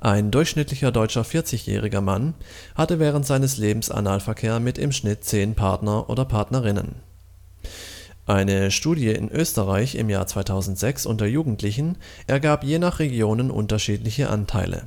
Ein durchschnittlicher deutscher 40-jähriger Mann hatte während seines Lebens Analverkehr mit im Schnitt zehn Partner/innen. Eine Studie in Österreich im Jahr 2006 unter Jugendlichen ergab je nach Regionen unterschiedliche Anteile: